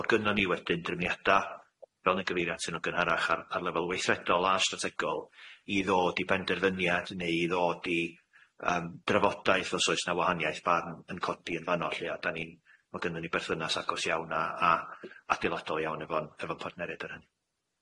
Ma' gynnon ni wedyn drefniada fel neu gyfeirio atyn nhw'n gynnarach ar ar lefel weithredol a strategol i ddod i penderfyniad neu i ddod i yym drafodaeth os oes na wahaniaeth barn yn codi yn fanno lly a dan ni'n ma' gynno ni berthynas agos iawn a- a- adeiladol iawn efo'n efo'n partneriad ar hynny.